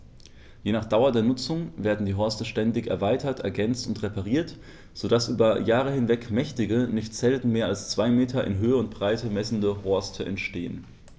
Je nach Dauer der Nutzung werden die Horste ständig erweitert, ergänzt und repariert, so dass über Jahre hinweg mächtige, nicht selten mehr als zwei Meter in Höhe und Breite messende Horste entstehen.